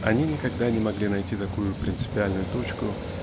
Они никогда не могли найти такую принципиальную точку